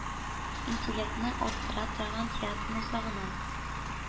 Интеллектны арттыра торган театрны сагына.